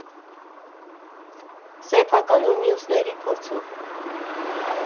Սեփական ու մյուսների փորձով։